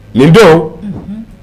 Nin don